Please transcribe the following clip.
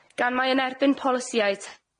Gan mai yn erbyn polisiaid